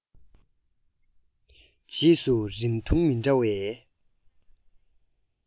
རྗེས སུ རིང ཐུང མི འདྲ བའི